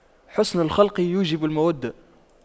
حُسْنُ الخلق يوجب المودة